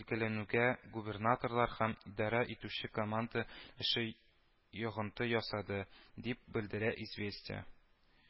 Билгеләнүгә губернаторлар һәм идарә итүче команда эше йогынты ясады, дип белдерә “известия”